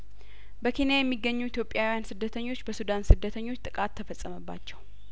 በኬንያ የሚገኙ ኢትዮጵያውያን ስደተኞች በሱዳን ስደተኞች ጥቃት ተፈጸመባቸው